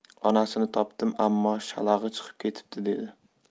onasini topdim ammo shalag'i chiqib ketibdi dedi